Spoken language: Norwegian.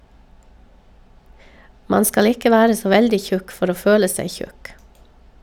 Man skal ikke være så veldig tjukk for å føle seg tjukk.